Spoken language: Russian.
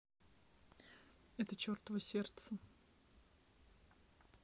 это чертово сердце